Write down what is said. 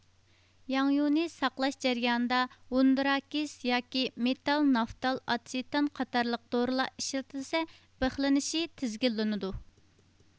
ياڭيۇنى ساقلاش جەريانىدا ۋوندراكىس ياكى مېتىل نافتال ئاتسېتان قاتارلىق دورىلار ئىشلىتىلسە بىخلىنىشى تىزگىنلىنىدۇ